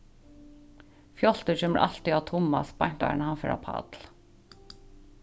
fjáltur kemur altíð á tummas beint áðrenn hann fer á pall